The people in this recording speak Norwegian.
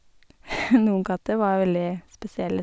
Noen katter var veldig spesielle.